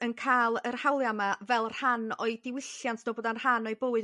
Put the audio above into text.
yn ca'l yr hawlia 'ma fel rhan o'i diwylliant n'w bod an rhan o'u bywyd